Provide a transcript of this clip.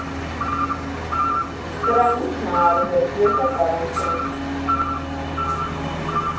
Սրա ի՞նչն ա արվեստ, ես էլ կարամ սենց։